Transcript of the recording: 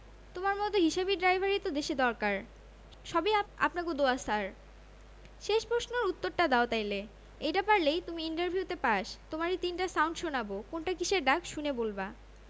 তোমার মত হিসাবি ড্রাইভারই তো দেশে দরকার সবই আপনাগো দোয়া ছার শেষ প্রশ্নের উত্তর দাও তাইলে এইডা পারলেই তুমি ইন্টার ভিউতে পাস তোমারে তিনটা সাউন্ড শোনাবো কোনটা কিসের ডাক শুনে বলবা...